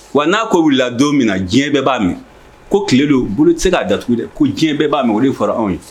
Wa n'a ko wulila don min na diɲɛ bɛ b'a min ko tiledo bolo tɛ se k'a jatigiugu dɛ ko diɲɛ bɛɛ b'a mɛn o fara anw ye